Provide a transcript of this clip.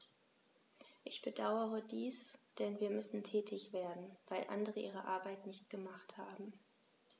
Ich bedauere dies, denn wir müssen tätig werden, weil andere ihre Arbeit nicht gemacht haben.